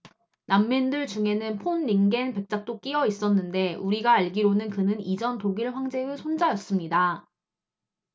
난민들 중에는 폰 링겐 백작도 끼여 있었는데 우리가 알기로는 그는 이전 독일 황제의 손자였습니다